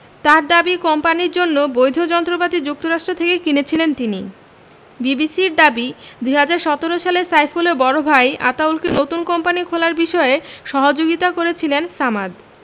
তাঁর দাবি কোম্পানির জন্য বৈধ যন্ত্রপাতি যুক্তরাষ্ট থেকে কিনেছিলেন তিনি বিবিসির দাবি ২০১৭ সালে সাইফুলের বড় ভাই আতাউলকে নতুন কোম্পানি খোলার বিষয়ে সহায়তা করেছিলেন সামাদ